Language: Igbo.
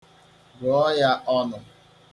Gụọ ya ọnụ.